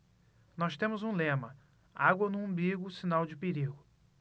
nós temos um lema água no umbigo sinal de perigo